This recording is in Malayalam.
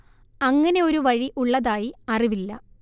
അങ്ങനെ ഒരു വഴി ഉള്ളതായി അറിവില്ല